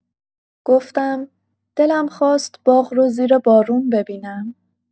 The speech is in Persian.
گفتم: «دلم خواست باغ رو زیر بارون ببینم.»